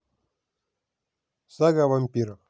сага о вампирах